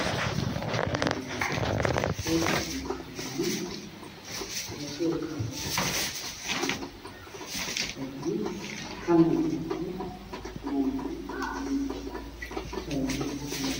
Waxaa i muuqda wiilal ku dheelaya salax waxa ay wataan fanaanada buluug ah iyo fanaanada cadaan ah gacmaha buluug ka ah rogana waa cagaar